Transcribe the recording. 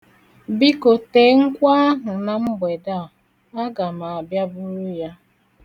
Biko tee nkwụ ahụ na mgbede a! aga m abịa buru ya.